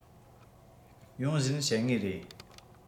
ཡོང བཞིན བཤས ངེས རེད